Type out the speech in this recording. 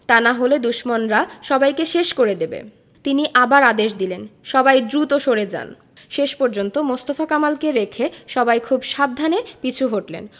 তা না হলে দুশমনরা সবাইকে শেষ করে দেবে তিনি আবার আদেশ দিলেন সবাই দ্রুত সরে যান শেষ পর্যন্ত মোস্তফা কামালকে রেখে সবাই খুব সাবধানে পিছু হটলেন